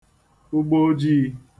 ugboojiī